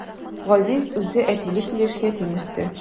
Газиз үзе әтиле килеш ятим үсте.